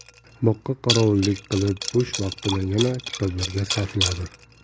boqqa qorovullik qilib bo'sh vaqtini yana kitoblarga sarfladi